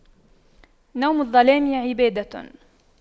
نوم الظالم عبادة